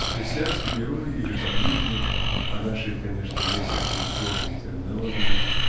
Христианский герой или подвижник (по нашей конечно несколько условной терминологии)